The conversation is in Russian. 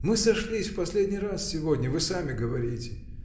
Мы сошлись в последний раз сегодня — вы сами говорите.